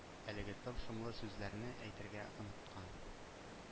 Әлеге тылсымлы сүзләрне әйтергә оныткан.